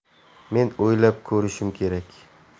men o'ylab ko'rishim kerak